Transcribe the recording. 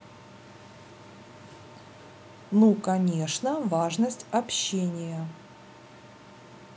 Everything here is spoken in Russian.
ну конечно важность общения